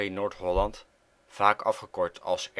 Noord-Holland, vaak afgekort als